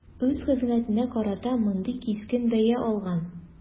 Үз хезмәтенә карата мондый кискен бәя алган.